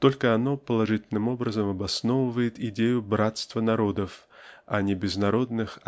только оно положительным образом обосновывает идею братства народов а не безнародных